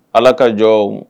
Ala ka jɔ